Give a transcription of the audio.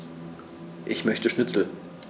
Ich möchte Schnitzel.